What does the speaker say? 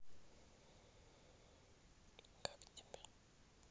как тебя